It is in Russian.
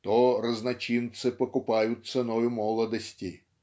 то разночинцы покупают ценою молодости.